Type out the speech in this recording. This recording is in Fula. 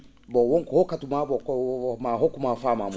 bon wonko hokkatuma ko ma hokkuma famamuya